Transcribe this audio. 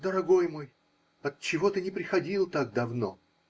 -- Дорогой мой, отчего ты не приходил так давно?